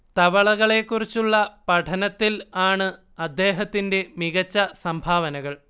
തവളകളെക്കുറിച്ചുള്ള പഠനത്തിൽ ആണ് അദ്ദേഹത്തിന്റെ മികച്ച സംഭാവനകൾ